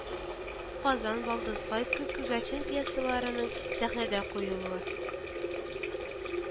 Казан, Балдызкай, Күк күгәрчен пьесаларының сәхнәдә куелуы